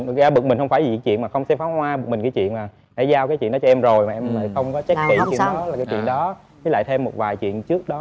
thực ra bực mình không vì chuyện không xem pháo hoa bực mình cái chuyện mà đã giao cái chuyện đó cho em rồi mà em lại không có trách nhiệm cho chuyện đó với lại thêm một vài chuyện trước đó